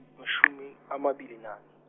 mashumi amabili nane.